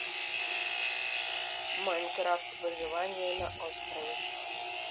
майнкрафт выживание на острове